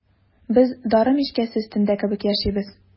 Без дары мичкәсе өстендә кебек яшибез.